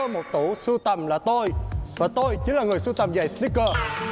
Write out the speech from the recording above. một tủ sưu tầm là tôi và tôi chính là người sưu tầm giày sờ ních cơ